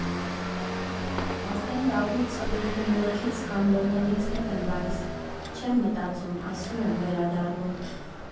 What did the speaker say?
Արդեն վաղուց, երբ Նյու Յորքից, կամ Լոնդոնից հետ եմ գալիս, չեմ մտածում՝ այս ու՞ր եմ վերադառնում։